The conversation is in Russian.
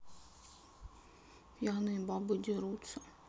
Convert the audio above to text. пьяные бабы дерутся